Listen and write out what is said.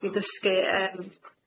'Di dysgu yym.